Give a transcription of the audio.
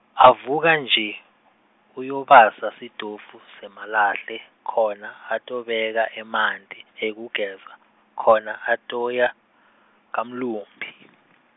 avuka nje , uyobasa sitofu semalahle khona atobeka emanti ekugeza, khona atoya, kaMlumbi.